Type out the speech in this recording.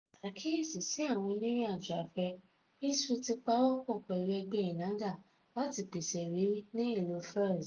(Àkíyèsí sí àwọn onírìn-àjò afẹ́: Fez Food ti pawọ́ pọ̀ pẹ̀lú Ẹgbẹ́ ENNAHDA láti pèsè ìrírí ní ìlú Fez.)